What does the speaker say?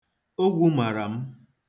Ogwu mara m